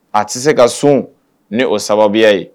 A tɛ se ka sun ni o sababuya ye